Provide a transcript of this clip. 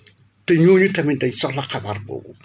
te ñooñu tamit dañ soxla xabaar boobu